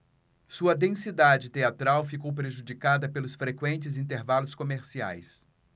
sua densidade teatral ficou prejudicada pelos frequentes intervalos comerciais